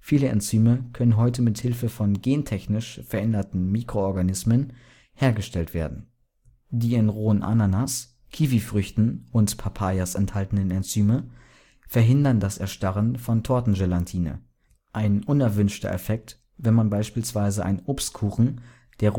Viele Enzyme können heute mit Hilfe von gentechnisch veränderten Mikroorganismen hergestellt werden. Die in rohen Ananas, Kiwifrüchten und Papayas) enthaltenen Enzyme verhindern das Erstarren von Tortengelatine, ein unerwünschter Effekt, wenn beispielsweise ein Obstkuchen, der